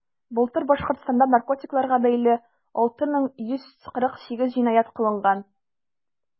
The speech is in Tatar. Былтыр Башкортстанда наркотикларга бәйле 6148 җинаять кылынган.